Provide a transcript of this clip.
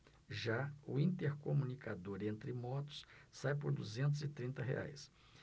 já o intercomunicador entre motos sai por duzentos e trinta reais